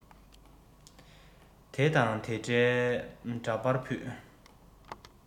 དེ དང དེ འདྲ བའི འདྲ པར ཕུད